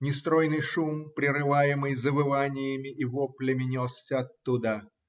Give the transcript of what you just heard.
Нестройный шум, прерываемый завываниями и воплями, несся оттуда.